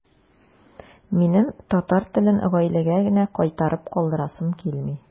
Минем татар телен гаиләгә генә кайтарып калдырасым килми.